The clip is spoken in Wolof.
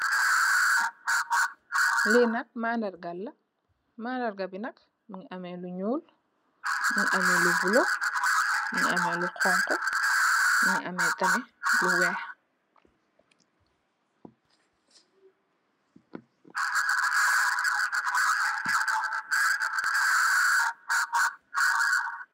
Lee nak madargal la madarga be nak muge ameh lu nuul muge ameh lu bulo muge ameh lu xonxo muge ameh tamin lu weex.